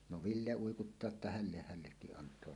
no Ville uikuttaa että hänelle hänellekin antaa